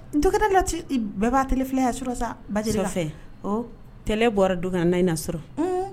Dokɛ bɛɛ b' t filɛ sa ba t bɔra don ka n na in na sɔrɔ